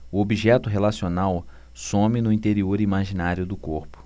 o objeto relacional some no interior imaginário do corpo